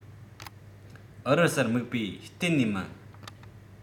དེ འདྲའི དཀར བོ མིན པ ཁོ ཐག ཡིན